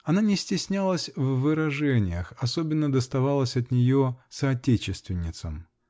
Она не стеснялась в выражениях; особенно доставалось от нее соотечественницам.